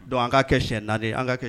Dɔn an ka kɛ si na de ye an ka kɛ